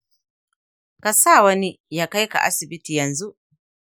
kasa wani ya kaika asibiti yanzun.